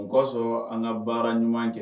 N kɔsɔn an ka baara ɲuman cɛ